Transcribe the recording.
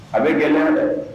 A bɛ gɛlɛya dɛ